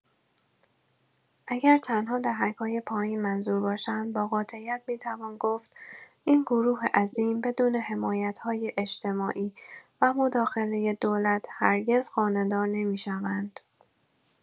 اگر تنها دهک‌های پایین منظور باشند، با قاطعیت می‌توان گفت این گروه عظیم بدون حمایت‌های اجتماعی و مداخله دولت، هرگز خانه‌دار نمی‌شوند.